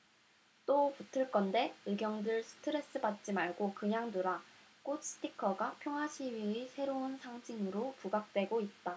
또 붙을 건데 의경들 스트레스 받지 말고 그냥 두라 꽃 스티커가 평화시위의 새로운 상징으로 부각되고 있다